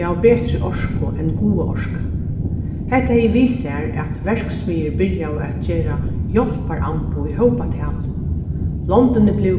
gav betri orku enn guvuorka hetta hevði við sær at verksmiðjur byrjaðu at gera hjálparamboð í hópatali londini blivu